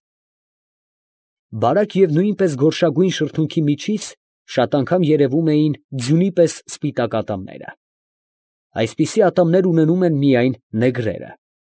Բարակ և նույնպես գորշագույն շրթունքի միջից շատ անգամ երևում էին ձյունի պես սպիտակ ատամները. այսպիսի ատամներ ունենում են միայն նեգրերը։